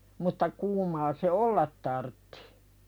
mutta kuumaa se olla tarvitsi